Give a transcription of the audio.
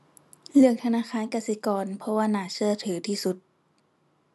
เลือกธนาคารกสิกร เพราะว่าน่าเชื่อถือที่สุด